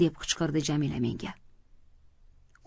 deb qichqirdi jamila menga